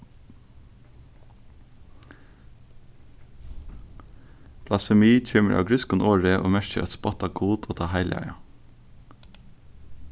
blasfemi kemur av grikskum orði og merkir at spotta gud og tað heilaga